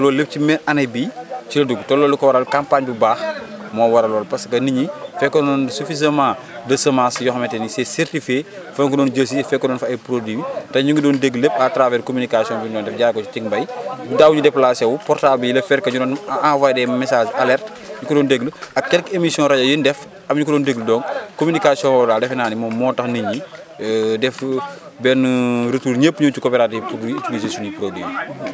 donc loolu lépp ci même année bii ci la dugg te loolu li ko waral campagne bu baax moo waral loolu parce que nit ñi fekkoon ne suffisamment de semence yoo xamante ni c' est certifiée foo ko doon jël si fekkoon nañu fa ay produits te ñu ngi doon dégg lépp à travers communication bi ñu doon def jaaree ko ci Ticmbay daawuñu déplacé wu portable yi la fekk ñu doon envoyé des messages alertes ñu ko doon déglu ak quelques émissions rajo yu ñu def am ñu ko doon déglu donc communication boobu daal defenaa ne moom moo tax nit ñi def benn retour ñëpp ñëw ci coopérative bi pour di utiliser suñuy produit